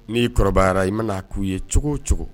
N'i kɔrɔbayara i man'a k'u ye cogo o cogo